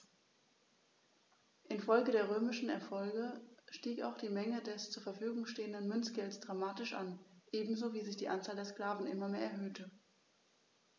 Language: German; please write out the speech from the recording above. Infolge der römischen Erfolge stieg auch die Menge des zur Verfügung stehenden Münzgeldes dramatisch an, ebenso wie sich die Anzahl der Sklaven immer mehr erhöhte.